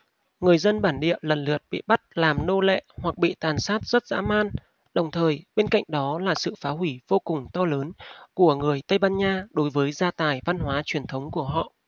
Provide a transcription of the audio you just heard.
người dân bản địa lần lượt bị bắt làm nô lệ hoặc bị tàn sát rất dã man đồng thời bên cạnh đó là sự phá hủy vô cùng to lớn của người tây ban nha đối với gia tài văn hóa truyền thống của họ